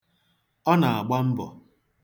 Ọ na-agba mbọ.